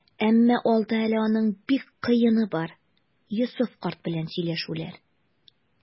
Әмма алда әле аның бик кыены бар - Йосыф карт белән сөйләшүләр.